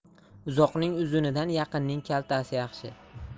uzoqning uzunidan yaqinning kaltasi yaxshi